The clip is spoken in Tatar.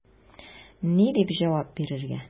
Ни дип җавап бирергә?